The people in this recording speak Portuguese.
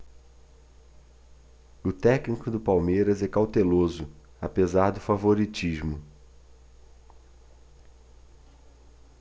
o técnico do palmeiras é cauteloso apesar do favoritismo